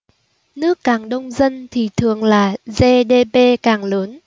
nước càng đông dân thì thường là gdp càng lớn